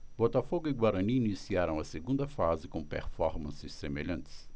botafogo e guarani iniciaram a segunda fase com performances semelhantes